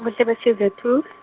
-Buhlebesizwe zethu .